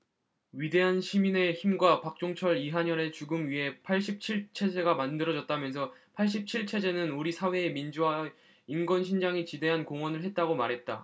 위대한 시민의 힘과 박종철 이한열의 죽음 위에 팔십 칠 체제가 만들어졌다면서 팔십 칠 체제는 우리 사회 민주화와 인권신장에 지대한 공헌을 했다고 말했다